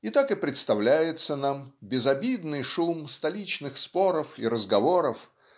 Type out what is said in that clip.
и так и представляется нам безобидный шум столичных споров и разговоров